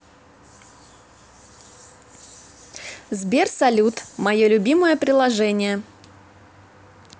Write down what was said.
сбер салют мое любимое приложение